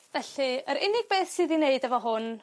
Felly yr unig beth sydd i neud efo hwn